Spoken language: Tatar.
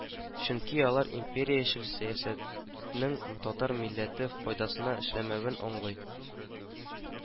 Чөнки алар империячел сәясәтнең татар милләте файдасына эшләмәвен аңлый